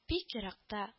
Бик еракта